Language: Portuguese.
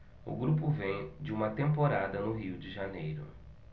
o grupo vem de uma temporada no rio de janeiro